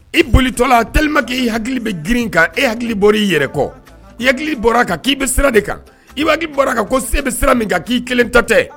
I bolitɔ la telima k' i hakili bɛ grin kan e hakili bɔra i yɛrɛ kɔ hakili bɔra a kan'i bɛ sira de kan i b' hakili bɔra kan ko se bɛ sira min kan k'i kelen ta tɛ